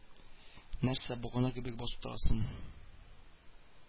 Нәрсә багана кебек басып торасың